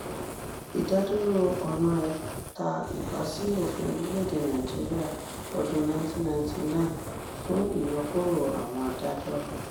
Ìdádúróo Onnoghen ta ìpá sí òfin Orílẹ̀-èdè Nàìjíríà ọdún-un 1999 fún ìyọkúrò àwọn adájọ́ .